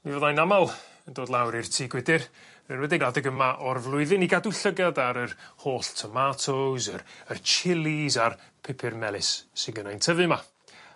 Mi fyddai'n amal yn dod lawr i'r tŷ gwydyr erwedig adeg yma o'r flwyddyn i gadw llygad ar yr holl tomatos yr y chillis a'r pupur melys sy gynnai'n tyfu 'ma.